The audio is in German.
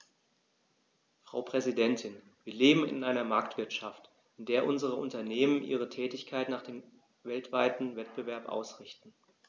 Frau Präsidentin, wir leben in einer Marktwirtschaft, in der unsere Unternehmen ihre Tätigkeiten nach dem weltweiten Wettbewerb ausrichten.